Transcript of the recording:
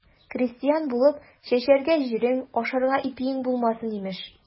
Крестьян булып, чәчәргә җирең, ашарга ипиең булмасын, имеш.